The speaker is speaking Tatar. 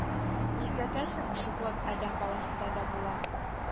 Нишләтәсең шуклык адәм баласында да була